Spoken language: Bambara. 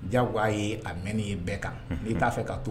Jago aa ye a mɛn nin ye bɛɛ kan i t'a fɛ ka to